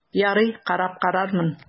Ярый, карап карармын...